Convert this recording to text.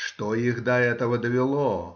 что их до этого довело?